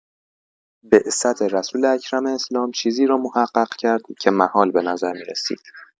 بعثت رسول اکرم اسلام چیزی را محقق کرد که محال به نظر می‌رسید.